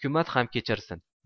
hukumat ham kechirsin